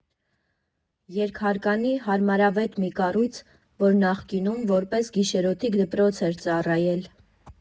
Երկհարկանի անհարմարավետ մի կառույց, որ նախկինում որպես գիշերօթիկ դպրոց էր ծառայել։